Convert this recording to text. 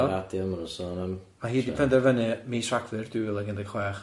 Ar y radio ma' nhw'n sôn am... A hi 'di penderfynu mis Rhagfyr dwy fil ag un deg chwech.